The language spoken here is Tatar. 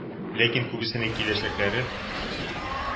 Ләкин күбесенең киләчәкләре